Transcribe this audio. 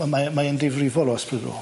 Wel' mae e mae yn difrifol o ysbrydol.